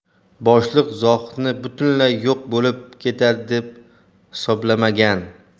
boshliq zohidni butunlay yo'q bo'lib ketadi deb hisoblamagan